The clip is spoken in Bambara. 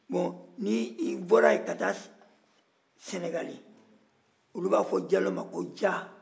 bon n'i bɔra yen ka taa sɛnɛgali olu b'a fɔ jalo ma ko ja